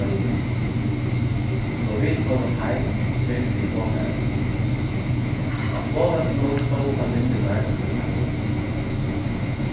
koyra so vit fóru heim fyrr við flogfarinum á flogvøllinum stóðu familjurnar og bíðaðu